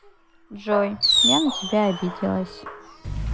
джой я на тебя обиделась